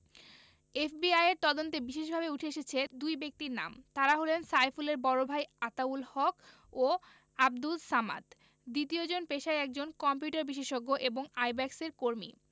এফবিআইয়ের তদন্তে বিশেষভাবে উঠে এসেছে দুই ব্যক্তির নাম তাঁরা হলেন সাইফুলের বড় ভাই আতাউল হক ও আবদুল সামাদ দ্বিতীয়জন পেশায় একজন কম্পিউটার বিশেষজ্ঞ ও আইব্যাকসের কর্মী